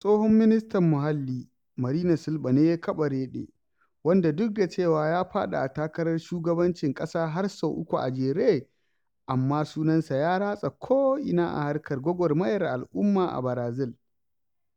Tsohon ministan muhalli Marina Silɓa ne ya kafa Rede, wanda duk da cewa ya faɗi a takarar shugabancin ƙasa har sau uku a jere, amma sunansa ya ratsa ko'ina a harkar gwagwarmayar al'umma a Barazil.